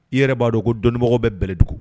I yɛrɛ b'a dɔn ko dɔnibagaw bɛ Bɛlɛdugu.